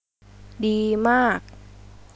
ดีมาก